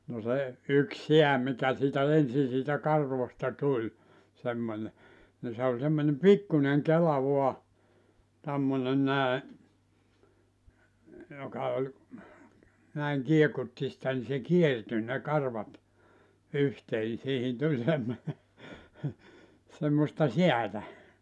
no se yksi sää mikä siitä ensin siitä karvoista tuli semmoinen niin se oli semmoinen pikkuinen kela vain tämmöinen näin joka oli näin kiekutti sitä niin se kiertyi ne karvat yhteen niin siihen tuli semmoinen semmoista säätä